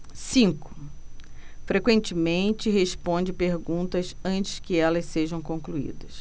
cinco frequentemente responde perguntas antes que elas sejam concluídas